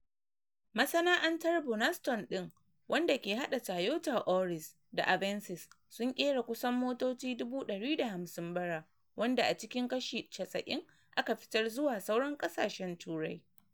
Masana’antar Burnaston din - wanda ke hada Toyota Auris da Avensis - sun kera kusan motoci 150,000 bara wanda a ciki kashi 90 aka fitar zuwa sauran kasashen Turai.